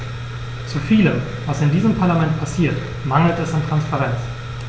Zu vielem, was in diesem Parlament passiert, mangelt es an Transparenz.